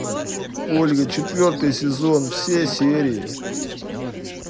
ольга четвертый сезон все серии